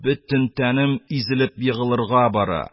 Бөтен тәнем изелеп егылырга бара,